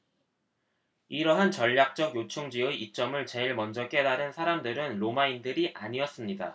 이러한 전략적 요충지의 이점을 제일 먼저 깨달은 사람들은 로마인들이 아니었습니다